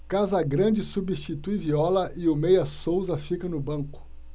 casagrande substitui viola e o meia souza fica no banco